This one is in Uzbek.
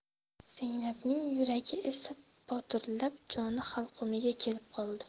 zaynabning yuragi esa potirlab joni halqumiga kelib qoldi